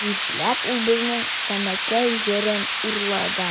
Нишләп ул безнең Сәмәкәй җырын урлаган?